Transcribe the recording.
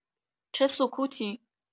چه سکوتی!